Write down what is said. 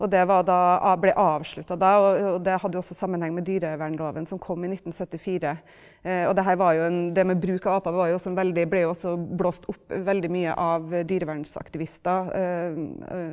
og det var da ble avslutta da, og det hadde jo også sammenheng med dyrevernloven som kom i nittensyttifire, og det her var jo en det med bruk av aper var jo også en veldig ble jo også blåst opp veldig mye av dyrevernsaktivister .